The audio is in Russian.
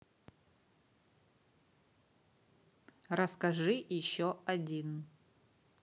расскажи еще один